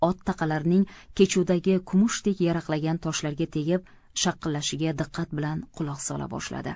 ot taqalarining kechuvdagi kumushdek yaraqlagan toshlarga tegib shaqillashiga diqqat bilan quloq sola boshladi